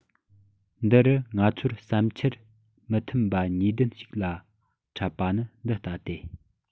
འདི རུ ང ཚོར བསམ འཆར མི མཐུན པ ནུས ལྡན ཞིག ལ འཕྲད པ ནི འདི ལྟ སྟེ